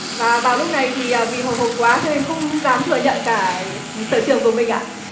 và vào lúc này thì à vì hồi hộp quá cho nên không dám thừa nhận cả sở trường của mình ạ